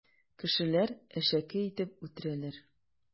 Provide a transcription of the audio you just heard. Кешеләр әшәке итеп үтерәләр.